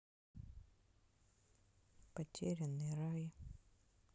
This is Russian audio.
потерянный рай